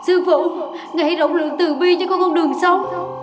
sư phụ người hãy rộng lượng từ bi cho con con đường sống